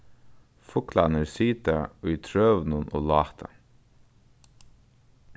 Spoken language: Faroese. fuglarnir sita í trøunum og láta